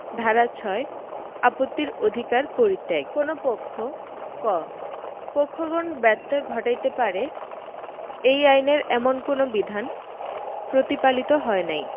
ধারা ৬ আপত্তির অধিকার পরিত্যাগঃ কোন পক্ষ ক পক্ষগণ ব্যত্যয় ঘটাইতে পারে এই আইনের এমন কোন বিধান প্রতিপালিত হয় নাই